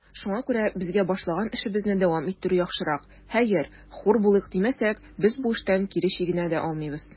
Шуңа күрә безгә башлаган эшебезне дәвам иттерү яхшырак; хәер, хур булыйк димәсәк, без бу эштән кире чигенә дә алмыйбыз.